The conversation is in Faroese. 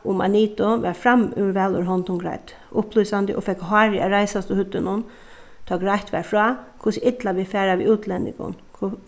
um anitu var framúr væl úr hondum greidd upplýsandi og fekk hárið at reisast á høvdinum tá greitt varð frá hvussu illa vit fara við útlendingum